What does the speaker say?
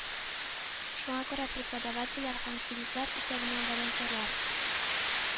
Шуңа күрә преподавательләр һәм студентлар исәбеннән волонтерлар